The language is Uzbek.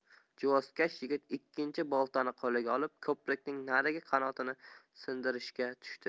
juvozkash yigit ikkinchi boltani qo'liga olib ko'prikning narigi qanotini sindirishga tushdi